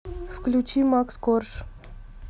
включи макс корж